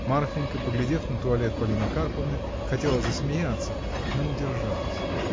Марфинька, поглядев на туалет Полины Карповны, хотела засмеяться, но удержалась.